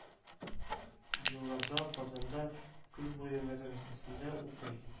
Елларда казанда күлбуе мәдрәсәсендә укый